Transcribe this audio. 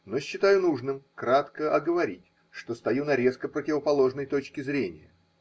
но считаю нужным кратко оговорить, что стою на резко противоположной точке зрения.